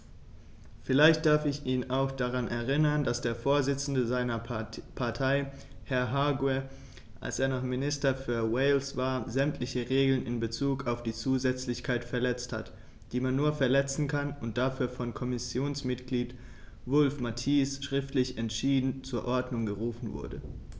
Vielleicht darf ich ihn auch daran erinnern, dass der Vorsitzende seiner Partei, Herr Hague, als er noch Minister für Wales war, sämtliche Regeln in bezug auf die Zusätzlichkeit verletzt hat, die man nur verletzen kann, und dafür von Kommissionsmitglied Wulf-Mathies schriftlich entschieden zur Ordnung gerufen wurde.